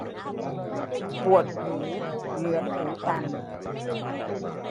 ปวดหูเหมือนหูตัน